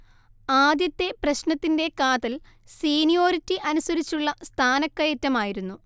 ആദ്യത്തെ പ്രശ്നത്തിന്റെ കാതൽ സീനിയോരിറ്റി അനുസരിച്ചുള്ള സ്ഥാനക്കയറ്റമായിരുന്നു